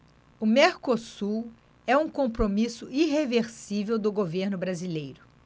o mercosul é um compromisso irreversível do governo brasileiro